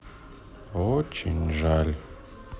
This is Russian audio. очень жаль